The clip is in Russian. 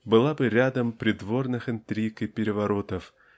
была бы рядом придворных интриг и переворотов